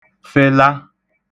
fela